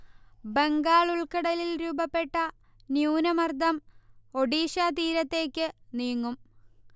ബംഗാൾ ഉൾക്കടലിൽ രൂപപ്പെട്ട ന്യൂനമർദം ഒഡിഷാതീരത്തേക്ക് നീങ്ങും